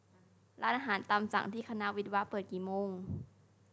ร้านอาหารตามสั่งที่คณะวิศวะเปิดกี่โมง